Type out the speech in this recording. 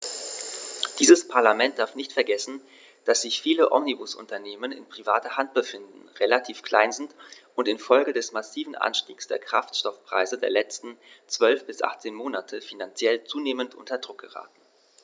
Dieses Parlament darf nicht vergessen, dass sich viele Omnibusunternehmen in privater Hand befinden, relativ klein sind und in Folge des massiven Anstiegs der Kraftstoffpreise der letzten 12 bis 18 Monate finanziell zunehmend unter Druck geraten.